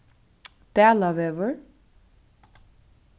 dalavegur